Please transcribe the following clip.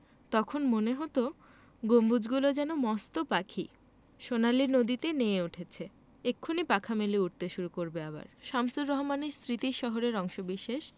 তখন মনে হতো গম্বুজগুলো যেন মস্ত পাখি সোনালি নদীতে নেয়ে উঠেছে এক্ষুনি পাখা মেলে উড়তে শুরু করবে আবার শামসুর রাহমান এর স্মৃতির শহর এর অংশবিশেষ